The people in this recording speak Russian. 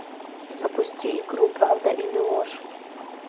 запусти игру правда или ложь